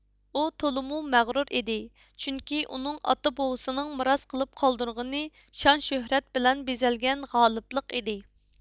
ئۇ تولىمۇ مەغرۇر ئىدى چۈنكى ئۇنىڭ ئاتا بوۋىسىنىڭ مىراس قىلىپ قالدۇرغىنى شان شۆھرەت بىلەن بېزەلگەن غالىپلىق ئىدى